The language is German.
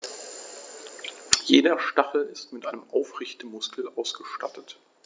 Jeder Stachel ist mit einem Aufrichtemuskel ausgestattet.